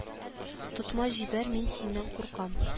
Тотма җибәр мин синнән куркам